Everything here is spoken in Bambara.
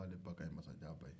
k'ale ba ka ɲin masajan ba ye